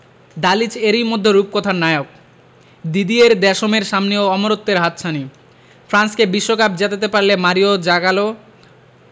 Dalic এরই মধ্যে রূপকথার নায়ক দিদিয়ের দেশমের সামনেও অমরত্বের হাতছানি ফ্রান্সকে বিশ্বকাপ জেতাতে পারলে মারিও জাগালো